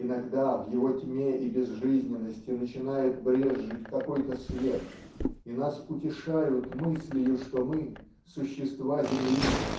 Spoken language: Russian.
иногда в его тьме и безжизненности начинает брезжить какой-то свет и нас утешают мыслью что мы существа земли